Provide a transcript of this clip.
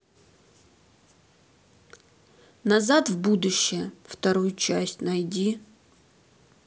назад в будущее вторую часть найди